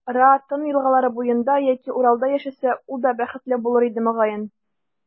Ра, Тын елгалары буенда яки Уралда яшәсә, ул да бәхетле булыр иде, мөгаен.